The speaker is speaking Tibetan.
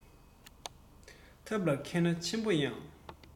ཐབས ལ མཁས ན ཆེན པོ ཡང